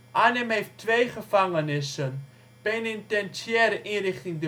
Arnhem heeft twee gevangenissen: penitentiaire inrichting